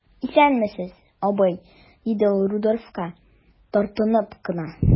Исәнмесез, абый,– диде ул Рудольфка, тартынып кына.